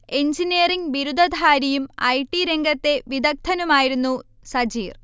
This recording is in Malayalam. എഞ്ചിനീയറിംങ് ബിരുദധാരിയും ഐ. ടി രംഗത്തെ വിദഗ്ദനുമായിരുന്നു സജീർ